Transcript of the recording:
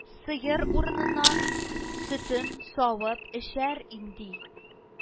Сыер урнына сөтен савып эчәр имди